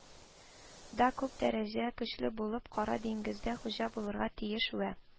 Да күп дәрәҗә көчле булып, кара диңгездә хуҗа булырга тиеш вә